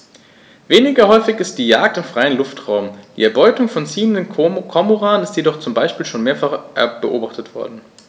Weniger häufig ist die Jagd im freien Luftraum; die Erbeutung von ziehenden Kormoranen ist jedoch zum Beispiel schon mehrfach beobachtet worden.